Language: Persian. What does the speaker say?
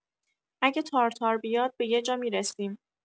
اگه تارتار بیاد به یجا می‌رسیم